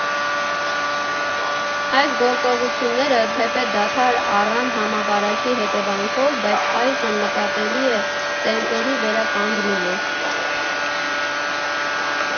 Այս գործողությունները թեպետ դադար առան համավարակի հետևանքով, բայց այժմ նկատելի է տեմպերի վերականգնումը։